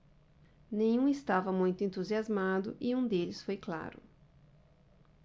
nenhum estava muito entusiasmado e um deles foi claro